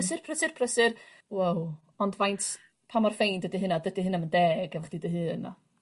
...prysur prysur prysur woah ond faint... Pa mor ffeind ydi hynna dydy hynna'm yn deg efo chdi dy hun 'ma.